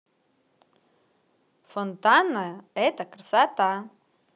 фонтанная это красота